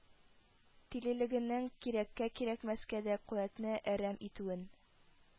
Тилелегенең кирәккә-кирәкмәскә дә куәтне әрәм итүен,